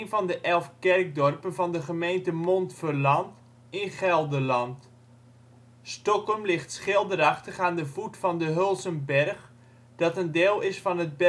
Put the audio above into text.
van de elf kerkdorpen van de gemeente Montferland in Gelderland. Stokkum ligt schilderachtig aan de voet van de Hulzenberg dat een deel is van het Bergherbos